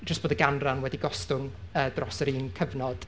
jyst bod y ganran wedi gostwng yy dros yr un cyfnod.